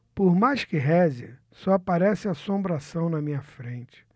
por mais que reze só aparece assombração na minha frente